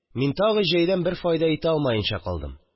Мин тагы җәйдән бер файда итә алмаенча калдым